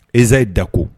I n'a i dako